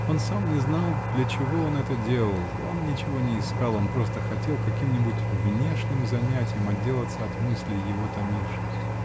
Он сам не знал, для чего он это делал, он ничего не искал -- он просто хотел каким-нибудь внешним занятием отделаться от мыслей, его томивших.